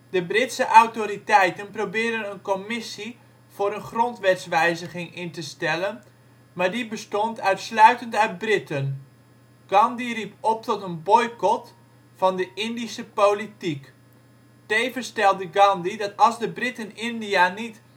De Britse autoriteiten probeerden een commissie voor een grondwetswijziging in te stellen, maar die bestond uitsluitend uit Britten. Gandhi riep op tot een boycot van de Indische politiek. Tevens stelde Gandhi dat als de Britten India niet